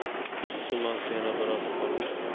iltimos yana biroz qoling